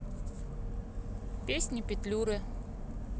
песни петлюры